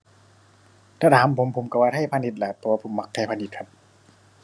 ถ้าถามผมผมก็ว่าไทยพาณิชย์แหละ เพราะว่าผมมักไทยพาณิชย์ครับ